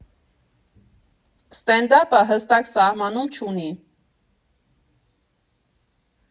Ստենդափը հստակ սահմանում չունի։